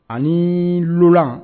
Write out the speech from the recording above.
Ani lulan